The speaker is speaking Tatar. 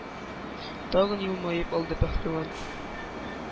Тагын елмаеп алды пәһлеван.